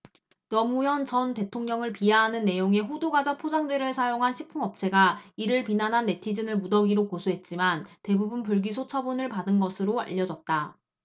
노무현 전 대통령을 비하하는 내용의 호두과자 포장재를 사용한 식품업체가 이를 비난한 네티즌을 무더기로 고소했지만 대부분 불기소 처분을 받은 것으로 알려졌다